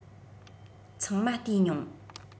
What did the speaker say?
ཚང མ བལྟས མྱོང